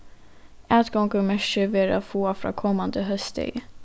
atgongumerki verða at fáa frá komandi hósdegi